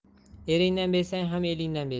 eringdan bezsang ham elingdan bezma